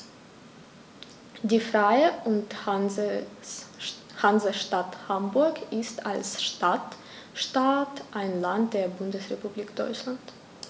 Die Freie und Hansestadt Hamburg ist als Stadtstaat ein Land der Bundesrepublik Deutschland.